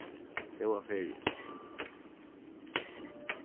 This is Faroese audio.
góða feriu